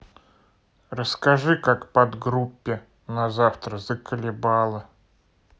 расскажи как подгруппе на завтра заколебало